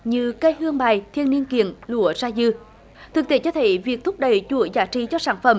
như cây hương bài thiên niên kiện lúa ra dư thực tế cho thấy việc thúc đẩy chuỗi giá trị cho sản phẩm